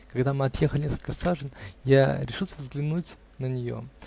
Когда мы отъехали несколько сажен, я решился взглянуть на нее.